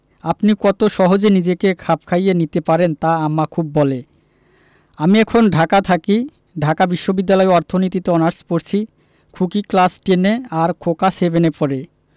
আপনি কত সহজে নিজেকে খাপ খাইয়ে নিতে পারেন তা আম্মা খুব বলে আমি এখন ঢাকা থাকি ঢাকা বিশ্ববিদ্যালয়ে অর্থনীতিতে অনার্স পরছি খুকি ক্লাস টেন এ আর খোকা সেভেন এ পড়ে